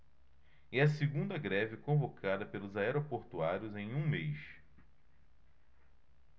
é a segunda greve convocada pelos aeroportuários em um mês